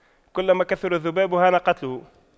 كلما كثر الذباب هان قتله